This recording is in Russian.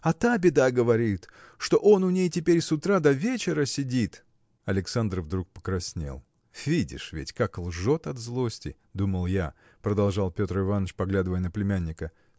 А та беда, говорит, что он у ней теперь с утра до вечера сидит. Александр вдруг покраснел. – Видишь ведь как лжет от злости думал я – продолжал Петр Иваныч поглядывая на племянника